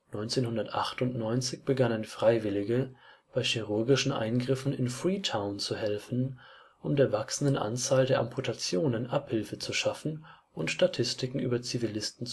1998 begannen Freiwillige, bei chirurgischen Eingriffen in Freetown zu helfen, um der wachsenden Anzahl der Amputationen Abhilfe zu schaffen, und Statistiken über Zivilisten